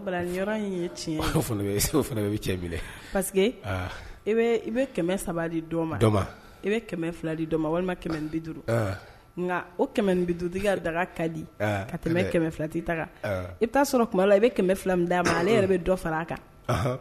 I saba i filadi ma walima bi duuru nka otigi daga ka di ka tɛmɛ kɛmɛ filati ta i t'a sɔrɔ tuma la i bɛ kɛmɛ fila d a ma ale yɛrɛ bɛ dɔ fara a kan